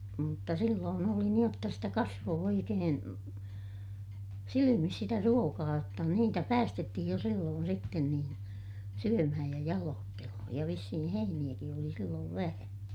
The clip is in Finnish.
mutta silloin oli niin jotta sitä kasvoi oikein silmissä sitä ruokaa jotta niitä päästettiin jo silloin sitten niin syömään ja jaloittelemaan ja vissiin heiniäkin oli silloin vähän